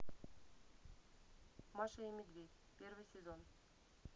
маша и медведь первый сезон